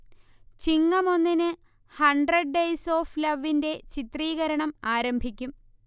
ചിങ്ങം ഒന്നിന് hundred days of ലവിന്റെ ചിത്രീകരണം ആരംഭിക്കും